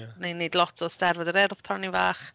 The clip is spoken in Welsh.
Ni'n wneud lot o 'Steddfod yr Urdd pan o'n i'n fach.